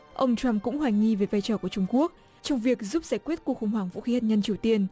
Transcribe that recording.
ông troăm cũng hoài nghi về vai trò của trung quốc trong việc giúp giải quyết cuộc khủng hoảng vũ khí hạt nhân triều tiên